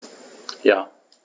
Ja.